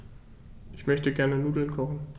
Ich möchte gerne Nudeln kochen.